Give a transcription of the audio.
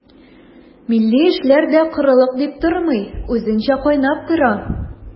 Милли эшләр дә корылык дип тормый, үзенчә кайнап тора.